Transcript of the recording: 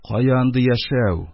Кая андый яшәү?